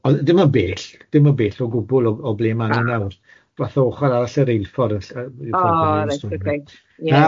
ond dim yn bell, dim yn bell o gwbwl o ble ma' n'w nawr, fatha ochor arall yr rheilffordd... O reit ocê...